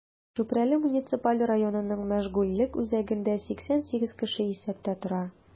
Чүпрәле муниципаль районының мәшгульлек үзәгендә 88 кеше исәптә тора.